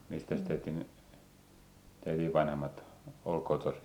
mistäs teidän teidän vanhemmat oli kotoisin